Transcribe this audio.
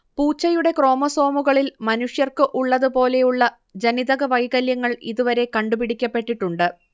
പൂച്ചയുടെ ക്രോമസോമുകളിൽ മനുഷ്യർക്ക് ഉള്ളതുപോലെയുള്ള ജനിതകവൈകല്യങ്ങൾ ഇതുവരെ കണ്ടുപിടിക്കപ്പെട്ടിട്ടുണ്ട്